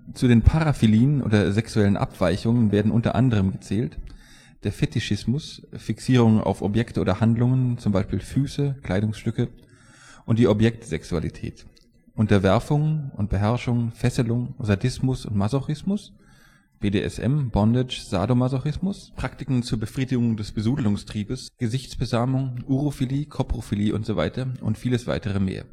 Paraphilien oder sexuellen Abweichungen werden unter anderem gezählt: der Fetischismus (Fixierung auf Objekte oder Handlungen, z.B. Füße, Kleidungsstücke) und die Objektsexualität; Unterwerfung und Beherrschung, Fesselung, Sadismus und Masochismus (BDSM, Bondage, Sadomasochismus); Praktiken zur Befriedigung des Besudelungstriebes (Gesichtsbesamung, Urophilie, Koprophilie usw.) und vieles weiteres mehr